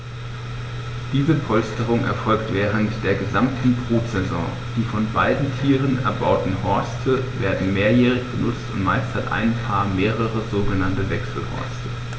Diese Polsterung erfolgt während der gesamten Brutsaison. Die von beiden Tieren erbauten Horste werden mehrjährig benutzt, und meist hat ein Paar mehrere sogenannte Wechselhorste.